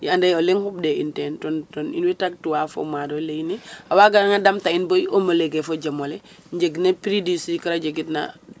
i anda yee o leng xupɗee in ten to i mboy tagtuwa fo maad o xe layin ne a waaganga damta in bo i mbaag o homologuer fo jem ole njegna ne prix du sucre a jegit na.